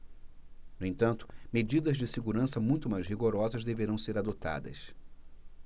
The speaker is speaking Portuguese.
no entanto medidas de segurança muito mais rigorosas deverão ser adotadas